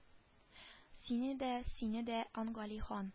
Сине дә сине дә ангали хан